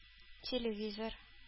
Телевизор